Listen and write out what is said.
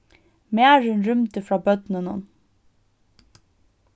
marin rýmdi frá børnunum